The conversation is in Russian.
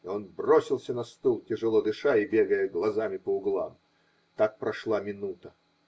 И он бросился на стул, тяжело дыша и бегая глазами по углам. Так прошла минута.